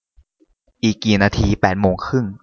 อีกกี่นาทีแปดโมงครึ่ง